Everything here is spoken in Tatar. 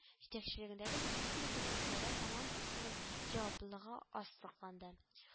Җитәкчелегендәге республиканың идарә командасының җаваплылыгын ассыклады